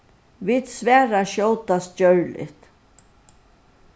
vit svara skjótast gjørligt